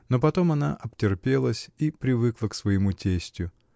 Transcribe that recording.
но потом она обтерпелась и привыкла к своему тестю.